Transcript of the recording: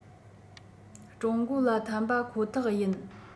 ཀྲུང གོ ལ འཐམས པ ཁོ ཐག ཡིན